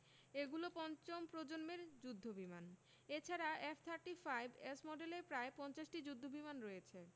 এগুলো পঞ্চম প্রজন্মের যুদ্ধবিমান এ ছাড়া এফ থার্টি ফাইভ এস মডেলের প্রায় ৫০টি যুদ্ধবিমান রয়েছে